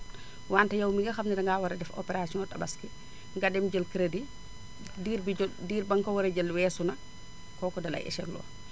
wante yow mi nga xam ne dangaa war a def opération tabaski nga dem jël crédit diir bi jo diir ba nga ko war a jël weesu na kooku dalay échec loo